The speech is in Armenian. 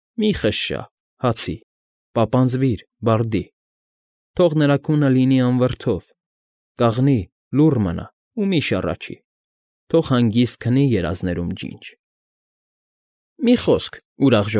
Մի՛ խշշա, Հացի, պապանձվիր, Բարդի, Թող նրա քունը լինի անվրդով, Կաղնի, լուռ մնա ու մի՛ շառաչի, Թող հանգիստ քնի երազներում ջինջ։ ֊ Մի խոսք, Ուրախ։